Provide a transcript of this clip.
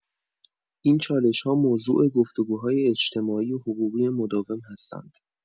این چالش‌ها موضوع گفت‌وگوهای اجتماعی و حقوقی مداوم هستند.